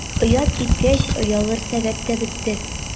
Оят киткәч, оялыр сәбәп тә бетте.